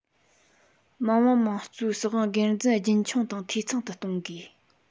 མི དམངས དམངས གཙོའི སྲིད དབང སྒེར འཛིན རྒྱུན འཁྱོངས དང འཐུས ཚང དུ གཏོང དགོས